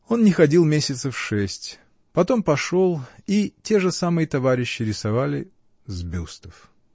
Он не ходил месяцев шесть, потом пошел, и те же самые товарищи рисовали. с бюстов.